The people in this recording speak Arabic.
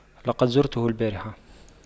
لقد زرته البارحة